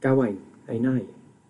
Gawain ei nai.